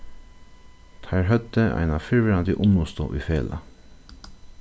teir høvdu eina fyrrverandi unnustu í felag